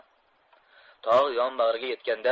tog' yonbag'riga yetganda